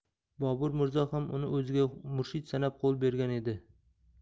bobur mirzo ham uni o'ziga murshid sanab qo'l bergan edi